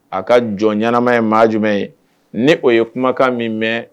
A ka jɔn ɲanama ye maa jumɛn ye ? ni o ye kumakan min mɛn